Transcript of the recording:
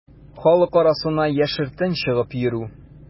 Халык арасына яшертен чыгып йөрү.